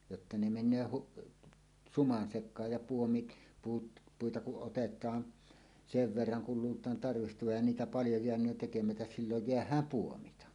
jotta ne menee - suman sekaan ja puomit puut puita kun otetaan sen verran kun luullaan tarvitsevan ja niitä paljon jäänee tekemättä silloin jäädään puomitta